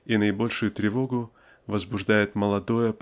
И наибольшую тревогу возбуждает молодое